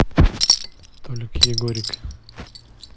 толик егорик